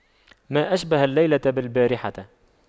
ما أشبه الليلة بالبارحة